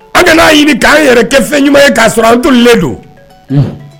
An ka n'a ɲini k'an yɛrɛ kɛ fɛn ɲuman ye k'a sɔrɔ an tolilen don. Un.